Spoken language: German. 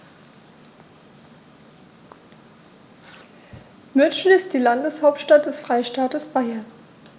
München ist die Landeshauptstadt des Freistaates Bayern.